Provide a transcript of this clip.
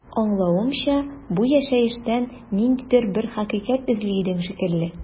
Аңлавымча, бу яшәештән ниндидер бер хакыйкать эзли идең шикелле.